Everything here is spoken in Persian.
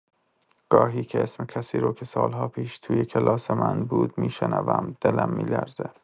گاهی که اسم کسی رو که سال‌ها پیش توی کلاس من بود می‌شنوم، دلم می‌لرزه.